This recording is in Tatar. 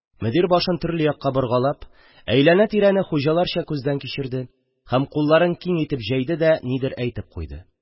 Мөдир, башын төрле якка боргалап, әйләнә-тирәне хуҗаларча күздән кичерде һәм кулларын киң итеп җәйде дә, нидер әйтеп куйды